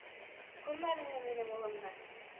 Күрмәдеңме минем улымны?